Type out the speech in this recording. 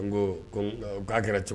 N ko n k'a kɛra cogo di?